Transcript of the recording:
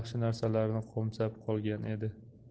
yaxshi narsalarni qo'msab qolgan edi